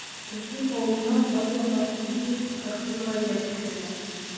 Мөслим авылыннан барлыгы 741 гаилә күчерелә.